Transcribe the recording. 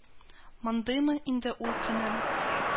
Мондыймы иде ул көнем